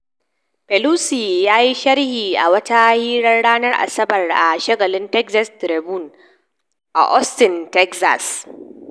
Pelosi ya yi sharhi a wata hirar ranar Asabar a shagali Texas Tribune a Austin, Texas.